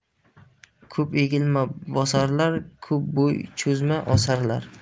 ko'p egilma bosarlar ko'p bo'y cho'zma osarlar